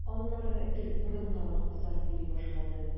Аннары гел борыннарың кызарып йөри башлады.